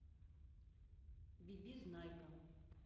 биби знайка